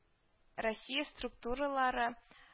Россия структуралары